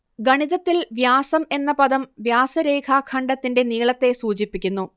ഗണിതത്തിൽ വ്യാസം എന്ന പദം വ്യാസരേഖാഖണ്ഡത്തിന്റെ നീളത്തെ സൂചിപ്പിക്കുന്നു